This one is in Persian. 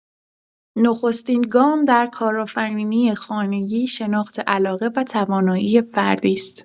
نخستین گام در کارآفرینی خانگی شناخت علاقه و توانایی فردی است.